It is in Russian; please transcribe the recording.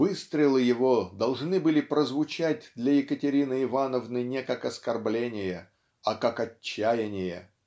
Выстрелы его должны были прозвучать для Екатерины Ивановны не как оскорбление а как отчаяние.